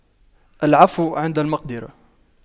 العفو عند المقدرة